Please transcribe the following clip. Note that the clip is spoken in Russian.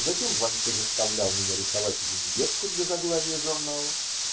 Затем Ванька заставлял меня рисовать виньетку для заглавия журнала.